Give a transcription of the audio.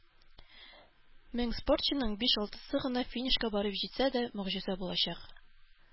Мең спортчының биш-алтысы гына финишка барып җитсә дә, могҗиза булачак.